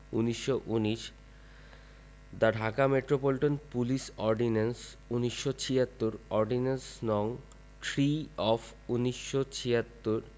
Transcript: ১৯১৯ the Dhaka metropolitan police ordinance ১৯৭৬ ordinance. নং. Three of ১৯৭৬